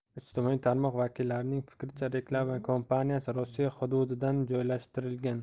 ijtimoiy tarmoq vakillarining fikricha reklama kampaniyasi rossiya hududidan joylashtirilgan